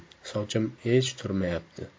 sochim hech turmayapti